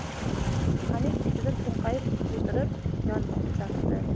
xanik chetida cho'nqayib o'tirib yong'oq chaqdi